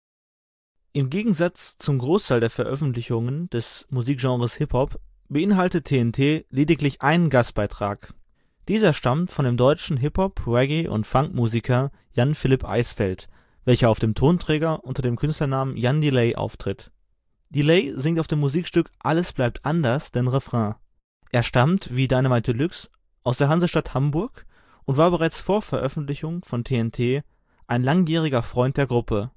Im Gegensatz zum Großteil der Veröffentlichungen des Musikgenres Hip-Hop, beinhaltet TNT lediglich einen Gastbeitrag. Dieser stammt von dem deutschen Hip-Hop -, Reggae - und Funk-Musiker Jan Phillip Eißfeldt, welcher auf dem Tonträger unter dem Künstlernamen Jan Delay auftritt. Delay singt auf dem Musikstück Alles bleibt anders den Refrain. Er stammt wie Dynamite Deluxe aus der Hansestadt Hamburg und war bereits vor Veröffentlichung von TNT ein langjähriger Freund der Gruppe